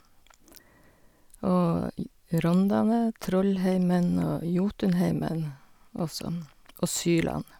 Og j Rondane, Trollheimen og Jotunheimen også, og Sylan.